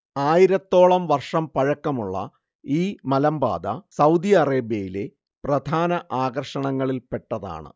ആയിരത്തോളം വർഷം പഴക്കമുള്ള ഈ മലമ്പാത സൗദി അറേബ്യയിലെ പ്രധാന ആകർഷണങ്ങളിൽപ്പെട്ടതാണ്